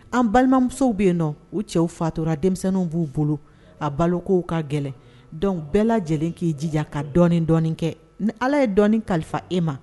An balimamuso bɛ yen nɔ u cɛw fatura denmisɛnninw b'u bolo a balo ko ka gɛlɛn dɔnku bɛɛ lajɛlen k'i jija ka dɔ dɔ kɛ ni ala ye dɔ kalifa e ma